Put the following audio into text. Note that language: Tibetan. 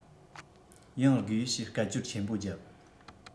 ཡང དགོས ཞེས སྐད ཅོར ཆེན པོ བརྒྱབ